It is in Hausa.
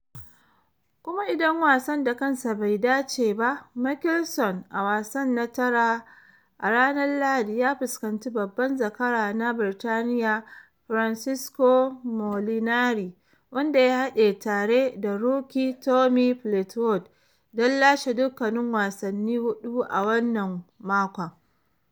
Kuma idan wasan da kansa bai dace ba, Mickelson, a wasan na tara a ranar Lahadi, ya fuskanci babban zakara na Birtaniya Francesco Molinari, wanda ya haɗe tare da rookie Tommy Fleetwood don lashe dukkanin wasanni hudu a wannan makon.